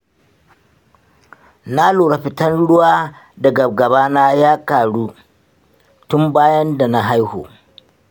na lura fitan ruwa daga gabana ya karu tun bayan dana haihu